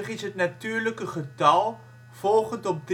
is het natuurlijke getal volgend op